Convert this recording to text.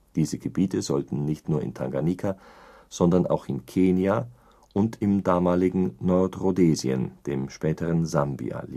Diese Gebiete sollten nicht nur in Tanganyika, sondern auch in Kenia und im damaligen Nordrhodesien, dem späteren Sambia